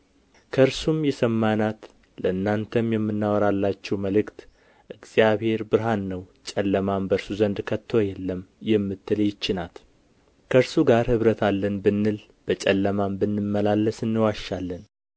ከእርሱም የሰማናት ለእናንተም የምናወራላችሁ መልእክት እግዚአብሔር ብርሃን ነው ጨለማም በእርሱ ዘንድ ከቶ የለም የምትል ይህች ናት ከእርሱ ጋር ኅብረት አለን ብንል በጨለማም ብንመላለስ እንዋሻለን